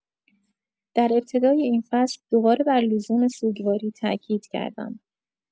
در ابتدای این فصل، دوباره بر لزوم سوگواری تاکید کردم.